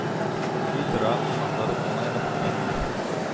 Өй тора, абзарыбыз гына янып беткән иде.